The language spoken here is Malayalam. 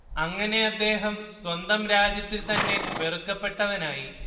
അങ്ങനെ അദ്ദേഹം സ്വന്തം രാജ്യത്തിൽ തന്നെ വെറുക്കപ്പെട്ടവനായി